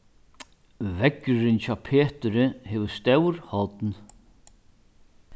veðrurin hjá peturi hevur stór horn